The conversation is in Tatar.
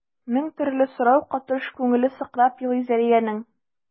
Мең төрле сорау катыш күңеле сыкрап елый Зәриянең.